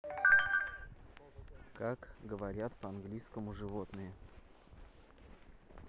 как говорят по английскому животные